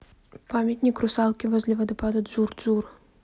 памятник русалке возле водопада джур джур